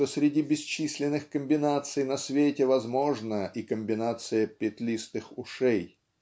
что среди бесчисленных комбинаций на свете возможна и комбинация "Петлистых ушей"